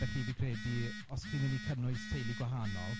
Felly fi'n credu os chi'n mynd i cynnwys teulu gwahanol...